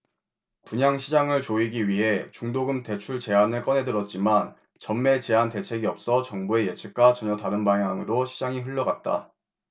분양시장을 조이기 위해 중도금 대출 제한을 꺼내들었지만 전매제한 대책이 없어 정부의 예측과 전혀 다른 방향으로 시장이 흘러갔다